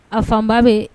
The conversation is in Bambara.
A fanba bɛ